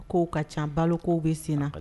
K' ka caan balokaw bɛ sen na